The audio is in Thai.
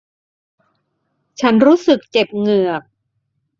ฉันรู้สึกเจ็บเหงือก